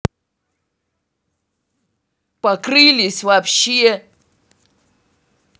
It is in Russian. порылись вообще